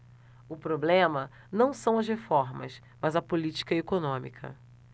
o problema não são as reformas mas a política econômica